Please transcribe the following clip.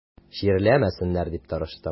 Чирләмәсеннәр дип тырыштым.